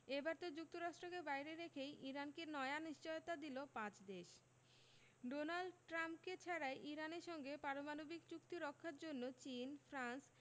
এবার তো যুক্তরাষ্ট্রকে বাইরে রেখেই ইরানকে নয়া নিশ্চয়তা দিল পাঁচ দেশ ডোনাল্ড ট্রাম্পকে ছাড়াই ইরানের সঙ্গে পারমাণবিক চুক্তি রক্ষার জন্য চীন ফ্রান্স